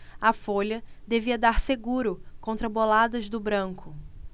a folha devia dar seguro contra boladas do branco